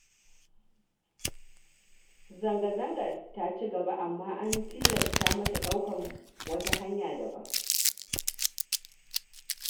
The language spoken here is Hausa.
Zanga-zangar ta ci gaba amma an tilasta mata ɗaukan wata hanya daban.